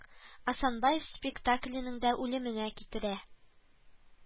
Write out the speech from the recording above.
Асанбаев спектакленең дә үлеменә китерә